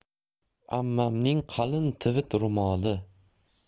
ammamning qalin tivit ro'moli